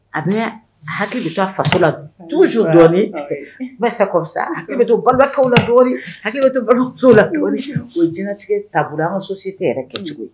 A bɛna hakili bɛ taa faso la tuju dɔ ma sa fisa bɛ to la hakɛ la o jinɛtigɛ taabolo an muso si tɛ yɛrɛ kɛ cogo ye